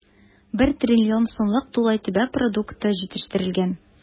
1 трлн сумлык тулай төбәк продукты җитештерелгән.